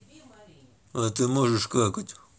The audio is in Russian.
а ты можешь какать